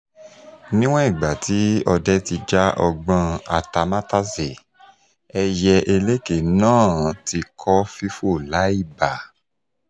Níwọ̀n ìgbà tí òde ti já ọgbọ́n àtamátàsè, ẹyẹ Eneke náà ti kọ́ fífò láì bà.